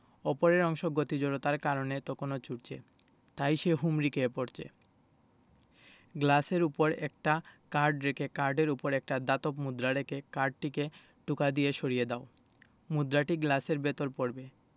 ওপরের অংশ গতি জড়তার কারণে তখনো ছুটছে তাই সে হুমড়ি খেয়ে পড়ছে গ্লাসের উপর একটা কার্ড রেখে কার্ডের উপর একটা ধাতব মুদ্রা রেখে কার্ডটিকে টোকা দিয়ে সরিয়ে দাও মুদ্রাটি গ্লাসের ভেতর পড়বে